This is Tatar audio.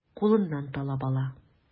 Кулыннан талап ала.